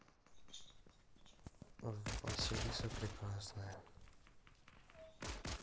василиса прекрасная